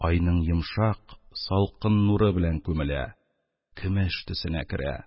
Айның йомшак, салкын нуры белән күмелә, көмеш төсенә керә.